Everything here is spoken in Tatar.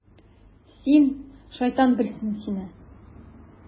Син, шайтан белсен сине...